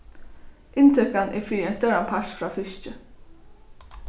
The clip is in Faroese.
inntøkan er fyri ein stóran part frá fiski